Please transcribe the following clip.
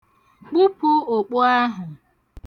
Kpupu okpu ahụ.